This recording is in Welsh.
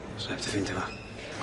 Sneb 'di ffeindio fo?